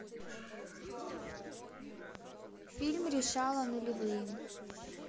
фильм решала нулевые